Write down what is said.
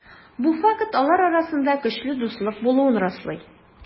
Бу факт алар арасында көчле дуслык булуын раслый.